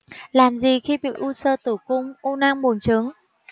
làm gì khi bị u xơ tử cung u nang buồng trứng